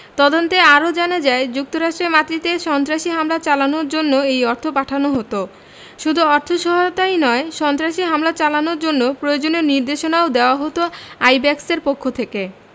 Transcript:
তদন্তে আরও জানা যায় যুক্তরাষ্ট্রের মাটিতে সন্ত্রাসী হামলা চালানোর জন্য এই অর্থ পাঠানো হতো শুধু অর্থসহায়তাই নয় সন্ত্রাসী হামলা চালানোর জন্য প্রয়োজনীয় নির্দেশনাও দেওয়া হতো আইব্যাকসের পক্ষ থেকে